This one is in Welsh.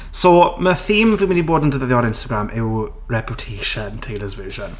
So, mae'r theme fi'n mynd i bod yn defnyddio ar Instagram yw. 'Reputation, Taylor's version.'